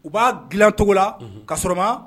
U b'a dilan cogo la ka sɔrɔma